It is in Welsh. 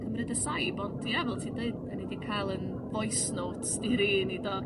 cymryd y saib ond Ia fel ti'n deud 'dyn ni 'di ca'l 'yn voice notes diri i ni do?